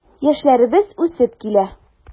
Яшьләребез үсеп килә.